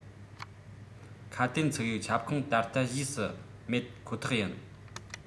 ཁ དན འཛིན ཡིག ཁྱབ ཁོངས ད ལྟ གཞིས སུ མེད ཁོ ཐག ཡིན